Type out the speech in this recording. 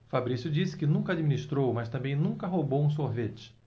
fabrício disse que nunca administrou mas também nunca roubou um sorvete